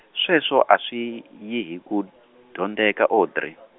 sweswo a swi, yi hi ku , dyondzeka Audrey.